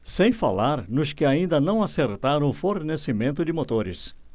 sem falar nos que ainda não acertaram o fornecimento de motores